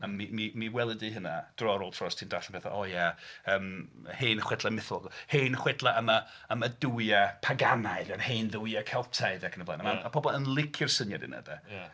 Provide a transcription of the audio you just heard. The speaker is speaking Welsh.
A mi... mi... mi weli di hynna dro ar ôl tro os ti'n darllen pethau. "O ia, yym hen chwedlau mytholegol, hen chwedla am y... am y duwiau paganaidd yr hen dduwiau Celtaidd" ac yn y blaen a mae pobl yn licio'r syniad yna 'de... Ia.